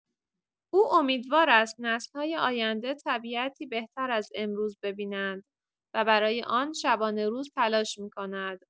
او امیدوار است نسل‌های آینده طبیعتی بهتر از امروز ببینند و برای آن شبانه‌روز تلاش می‌کند.